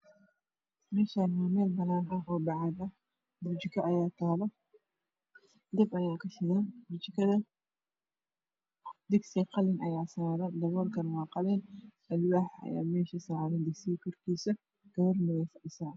Meshani waa meel banaan ah oo bacad ah jika ayaa talo deb ayaa ka shidan digsi qalin ayaa saran daboolkana waa qalin alwax ayaa meesha saran digsiha korkiisa gabarna way fadhisaa